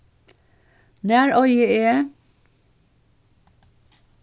nær eigi eg